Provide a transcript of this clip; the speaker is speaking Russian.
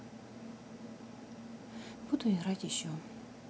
буду играть еще